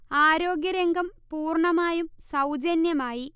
ആരോഗ്യരംഗം പൂർണ്ണമായും സൗജന്യമായി